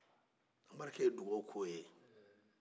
anbarike ye dugaw kɛ o ye